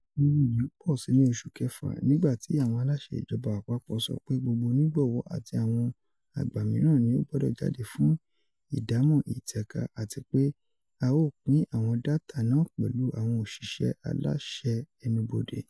Ewu yii pọsi ni oṣu kẹfa, nigba ti awọn alaṣẹ ijọba apapọ sọ pe gbogbo onigbọwọ ati awọn agba miiran ni o gbọdọ jade fun idamọ itẹka, ati pe a o pin awọn data naapẹlu awọn oṣiṣẹ alaṣẹ ẹnubode.